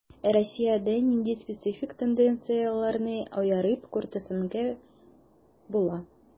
Ә Россиядә нинди специфик тенденцияләрне аерып күрсәтергә була?